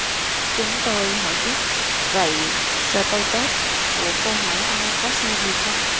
chúng tôi hỏi tiếp vậy status của cô hải âu có sai gì không